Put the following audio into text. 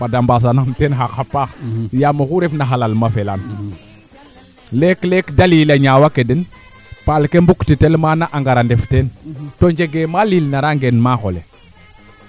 bo waago an alors nee waagoona o rokit no ndiigof fo nee waroona o sutoor teen mi daal kaaga wagumo ley xaƴa in fo jokalante no misaal xaƴa